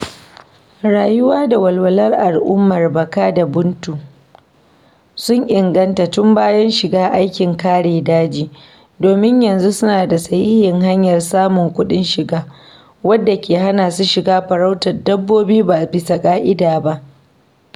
Rayuwa da walwalar al’ummar Baka da Bantu sun inganta tun bayan shiga aikin kare daji, domin yanzu suna da sahihin hanyar samun kudin shiga wadda ke hana su shiga farautar dabbobi ba bisa ka’ida ba.